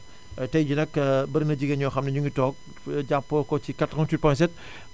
tey jii nag bari na jigéen ñoo xwam ne ñu ngi toog jàppoo ko ci 88.7